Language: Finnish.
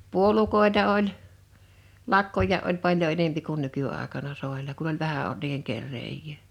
puolukoita oli lakkojakin oli paljon enempi kuin nykyaikana soilla kun oli vähän ollut niiden kerääjää